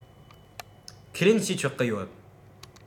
ཁས ལེན བྱས ཆོག གི ཡོད